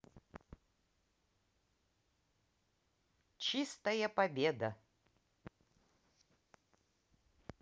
чистая победа